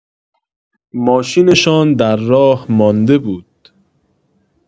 ماشین‌شان در راه مانده بود.